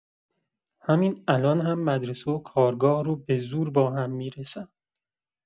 همین الان هم مدرسه و کارگاه رو به‌زور با هم می‌رسم.